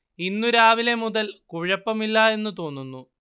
ഇന്നു രാവിലെ മുതൽ കുഴപ്പമില്ല എന്ന് തോന്നുന്നു